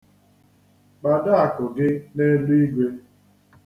Kpado akụ gị n'eluigwe.